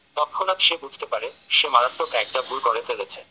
তৎক্ষণাৎ সে বুঝতে পারে সে মারাত্মক একটা ভুল করে ফেলেছে